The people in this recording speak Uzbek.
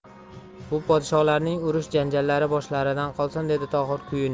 bu podsholarning urush janjallari boshlaridan qolsin dedi tohir kuyunib